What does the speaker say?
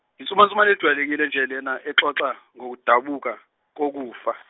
insumansumane eyejwayelekile nje lena exoxa ngokudabuka kokufa.